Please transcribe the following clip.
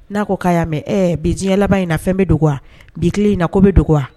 N'a ko k'a y'a mɛn bi diɲɛ labanba in na fɛn bɛ dogo wa bi tilen in na ko bɛ dogo wa